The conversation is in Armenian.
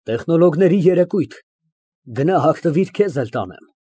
Տեխնոլոգիաների երեկույթ։ Գնա, հագնվիր, քեզ էլ տանեմ։